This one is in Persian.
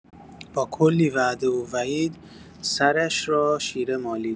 با کلی وعده و وعید سرش را شیره مالید.